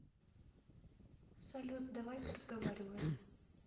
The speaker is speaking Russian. салют давай поразговариваем